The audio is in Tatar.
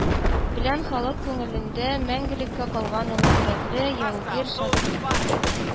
Белән халык күңелендә мәңгелеккә калган олы йөрәкле яугир шагыйрьнең